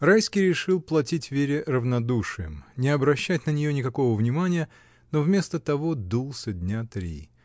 Райский решил платить Вере равнодушием, не обращать на нее никакого внимания, но вместо того дулся дня три.